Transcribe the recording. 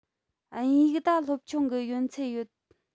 དབྱིན ཡིག ད སློབ ཆུང གི ཡོན ཚད ཡོད